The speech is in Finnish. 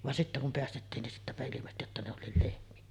vaan sitten kun päästettiin niin sittenpä ilmestyi jotta ne olikin lehmiä